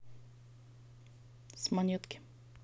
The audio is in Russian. с монетки